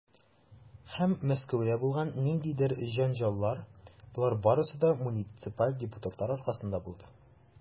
Һәм Мәскәүдә булган ниндидер җәнҗаллар, - болар барысы да муниципаль депутатлар аркасында булды.